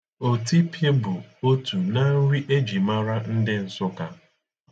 Otipi bụ otu na nri e ji mara ndị Nsụka.